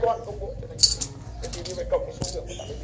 con công bố trở thành một điểm thế thì như vậy cộng với số lượng tạo nên